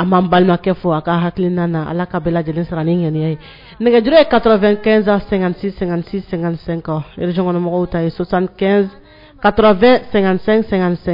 An b'an balimakɛ fɔ a ka hakili nana ala ka bɛɛ lajɛlen siran ni ŋani ye nɛgɛj ye kasansenkɔnɔmɔgɔw tasansɛsɛ